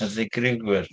Y ddigrifwyr?